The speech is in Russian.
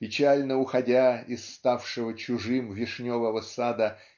печально уходя из ставшего чужим вишневого сада